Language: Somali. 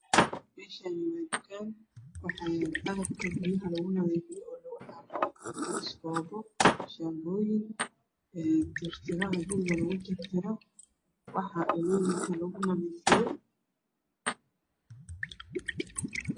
Meeshaani waa dukaan waxaa yaala agabka guryaha lagu nadiifiyo oo lagu xaaqo iskoobo shaanbooyin tirtiraha guriga lagu tirtiro waxa dhalooyinka lagu nadiifiyo